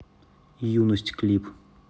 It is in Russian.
юность клип